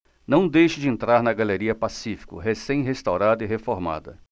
não deixe de entrar na galeria pacífico recém restaurada e reformada